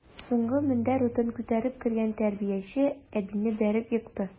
Соңгы мендәр утын күтәреп кергән тәрбияче әбине бәреп екты.